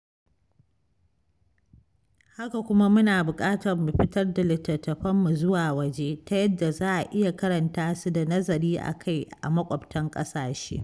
Haka kuma, muna buƙatar mu fitar da littattafanmu zuwa waje, ta yadda za a iya karanta su da nazari a kai a maƙwabtan ƙasashe.